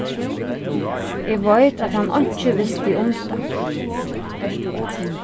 eg veit at hann einki visti um tað